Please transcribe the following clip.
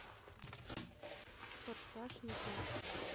форсаж ютуб